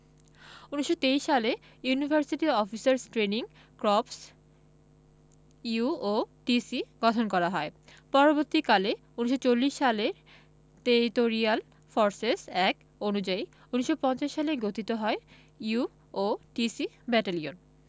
১৯২৩ সালে university officers training corps UOTC গঠন করা হয় পরবর্তীকালে ১৯৪০ সালের টেরিটরিয়াল ফর্সেস এক্ট অনুযায়ী ১৯৫০ সালে গঠিত হয় ইউওটিসি ব্যাটালিয়ন